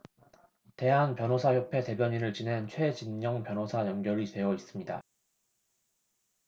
대한변호사협회 대변인을 지낸 최진녕 변호사 연결이 되어 있습니다